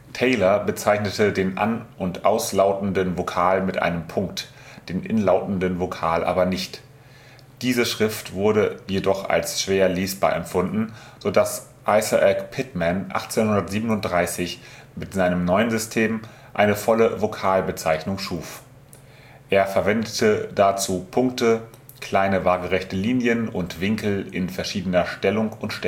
Taylor bezeichnete den an - und auslautenden Vokal mit einem Punkt, den inlautenden Vokal aber gar nicht. Diese Schrift wurde jedoch als schwer lesbar empfunden, sodass Isaac Pitman 1837 mit seinem neuen System eine volle Vokalbezeichnung schuf. Er verwendete dazu Punkte, kleine waagerechte Linien und Winkel in verschiedener Stellung und